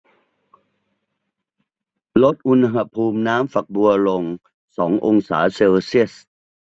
ลดอุณหภูมิน้ำฝักบัวลงสององศาเซลเซียส